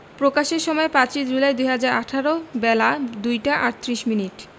প্রকাশের সময় ৫ ই জুলাই ২০১৮ বেলা ২টা ৩৮ মিনিট